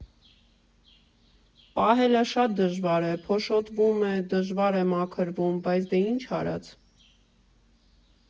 Պահելը շատ դժվար է, փոշոտվում է, դժվար է մաքրվում, բայց դե ինչ արած։